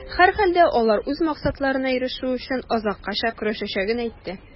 Һәрхәлдә, алар үз максатларына ирешү өчен, азаккача көрәшәчәген әйтә.